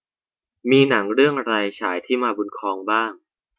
มีหนังเรื่องอะไรฉายที่มาบุญครองบ้าง